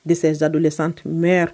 de ces adolescentes meurent